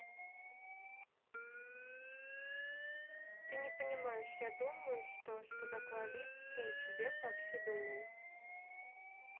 ты не понимаешь я думаю что что такое алиса в стране чудес вообще думаю